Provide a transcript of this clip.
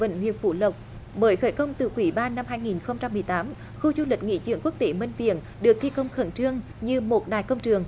vĩnh huyện phú lộc bởi khởi công từ quý ba năm hai nghìn không trăm mười tám khu du lịch nghỉ dưỡng quốc tế minh viển được thi công khẩn trương như một đại công trường